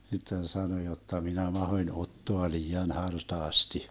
sitten sanoi jotta minä mahdoin ottaa liian hartaasti